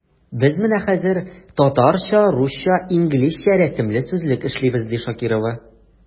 Без менә хәзер “Татарча-русча-инглизчә рәсемле сүзлек” эшлибез, ди Шакирова.